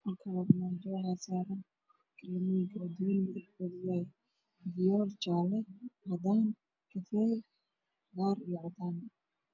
Meeshaan waxaa ku daadsan Xaani aad u badan oo laga keenay meelo fog fog oo gaari lagu keenay